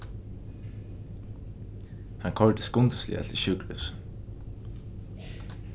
hann koyrdi skundisliga til sjúkrahúsið